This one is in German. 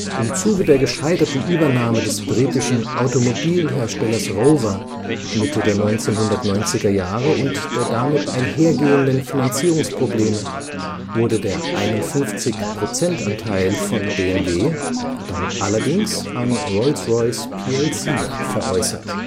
Im Zuge der gescheiterten Übernahme des britischen Automobilherstellers Rover Mitte der 1990er Jahre und der damit einhergehenden Finanzierungsprobleme wurde der 51-Prozent-Anteil von BMW dann allerdings an Rolls-Royce plc veräußert